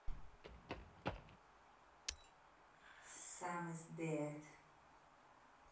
sam is dead